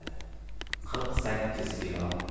qirq sakkiz kilo